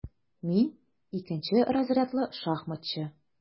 Мин - икенче разрядлы шахматчы.